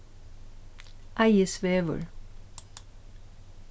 eiðisvegur